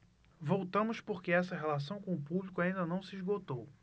voltamos porque essa relação com o público ainda não se esgotou